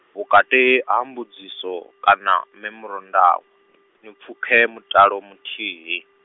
vhukati, ha mbudziso, kana, memorandamu, ni pfukhe mutalo muthihi.